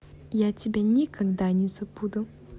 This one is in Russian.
я тебя никогда не забуду